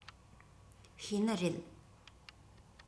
ཤེས ནི རེད